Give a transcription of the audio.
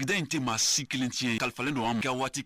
Da in tɛ maa si kelen tiɲɛ ye kalifalen don an kɛ waati